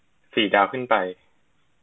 สี่ดาวขึ้นไป